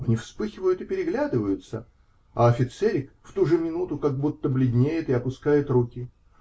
Они вспыхивают и переглядываются, а офицерик в ту же минуту как будто бледнеет и опускает руки.